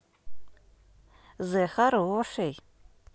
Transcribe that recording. the хороший